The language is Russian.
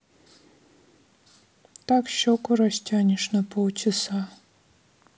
так щеку растянешь на полчаса